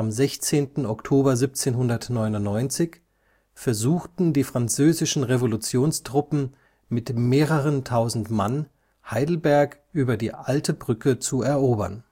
16. Oktober 1799 versuchten die französischen Revolutionstruppen mit mehreren tausend Mann Heidelberg über die Alte Brücke zu erobern